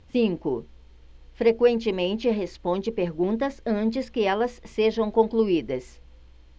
cinco frequentemente responde perguntas antes que elas sejam concluídas